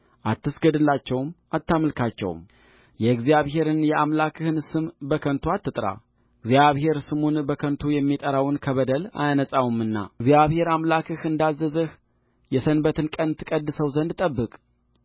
አትስገድላቸው አታምልካቸውምየእግዚአብሔርን የአምላክህን ስም በከንቱ አትጥራ እግዚአብሔር ስሙን በከንቱ የሚጠራውን ከበደል አያነጻውምናእግዚአብሔር አምላክህ እንዳዘዘህ የሰንበትን ቀን ትቀድሰው ዘንድ ጠብቅ